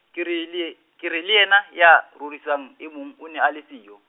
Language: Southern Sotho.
ke re le ye, ke re le yena, ya rorisang e mong o ne a le siyo.